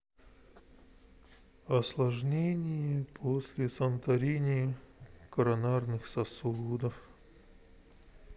осложнение после санторини коронарных сосудов